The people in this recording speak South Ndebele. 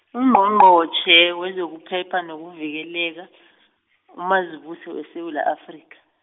Ungqongqotjhe wezokuphepha nokuvikeleka, uMazibuse weSewula Afrika.